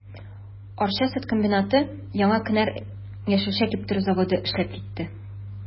Арча сөт комбинаты, Яңа кенәр яшелчә киптерү заводы эшләп китте.